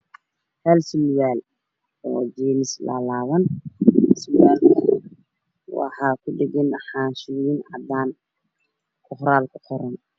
Waa surwaal james laalaaban waxaa ku dhagan waraaqdo cadcad u xilsaaran yahay mid caddaan